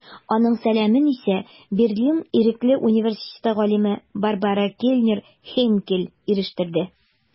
Аның сәламен исә Берлин Ирекле университеты галиме Барбара Кельнер-Хейнкель ирештерде.